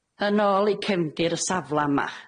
Yn ôl i cefndir y safla 'ma.